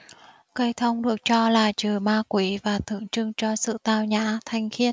cây thông được cho là trừ ma quỷ và tượng trưng cho sự tao nhã thanh khiết